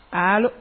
Paul